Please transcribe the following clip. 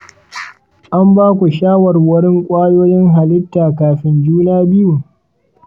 an ba ku shawarwarin kwayoyin halitta kafin juna biyu?